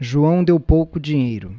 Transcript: joão deu pouco dinheiro